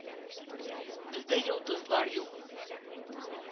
Бездә “йолдыз”лар юк.